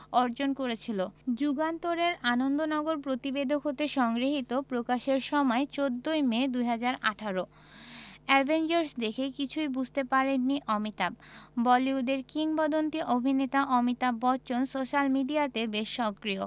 অর্জন করেছিল যুগান্তর এর আনন্দনগর প্রতিবেদক হতে সংগৃহীত প্রকাশের সময় ১৪ মে ২০১৮ অ্যাভেঞ্জার্স দেখে কিছুই বুঝতে পারেননি অমিতাভ বলিউডের কিংবদন্তী অভিনেতা অমিতাভ বচ্চন সোশ্যাল মিডিয়াতে বেশ সক্রিয়